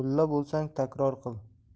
mulla bo'lsang takror qil